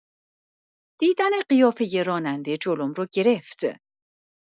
دیدن قیافه راننده جلوم رو گرفت.